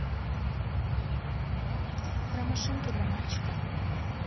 про машинки для мальчиков